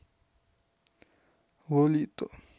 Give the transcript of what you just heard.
lolito